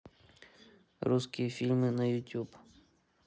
русские фильмы на ютуб